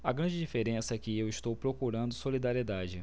a grande diferença é que eu estou procurando solidariedade